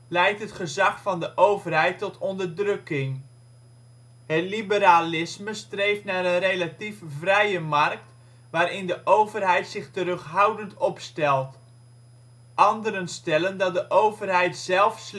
leidt het gezag van de overheid tot onderdrukking. Het liberalisme streeft naar een relatief vrije markt waarin de overheid zich terughoudend opstelt. Anderen stellen dat de overheid zelf